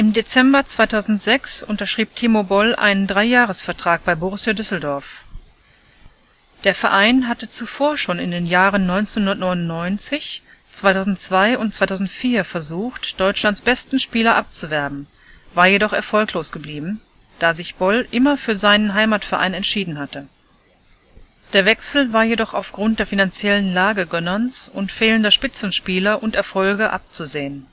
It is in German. Dezember 2006 unterschrieb Timo Boll einen Dreijahresvertrag bei Borussia Düsseldorf. Der Verein hatte zuvor schon in den Jahren 1999, 2002 und 2004 versucht, Deutschlands besten Spieler abzuwerben, war jedoch erfolglos geblieben, da sich Boll immer für seinen Heimatverein entschieden hatte. Der Wechsel war jedoch aufgrund der finanziellen Lage Gönnerns und fehlender Spitzenspieler und Erfolge abzusehen